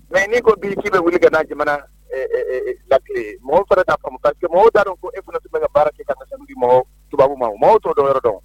Mɛ ni ko bi k'i bɛ wuli ka n'a jamana lale mɔgɔw fana' kasi mɔgɔw da fo e fana tun bɛ ka baara kɛ ka tubabu ma o mɔgɔw tɔ dɔw wɛrɛ dɔn